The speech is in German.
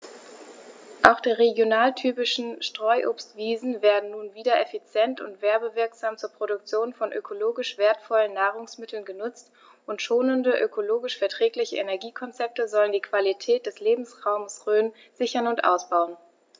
Auch die regionaltypischen Streuobstwiesen werden nun wieder effizient und werbewirksam zur Produktion von ökologisch wertvollen Nahrungsmitteln genutzt, und schonende, ökologisch verträgliche Energiekonzepte sollen die Qualität des Lebensraumes Rhön sichern und ausbauen.